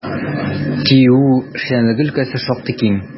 ТИҮ эшчәнлеге өлкәсе шактый киң.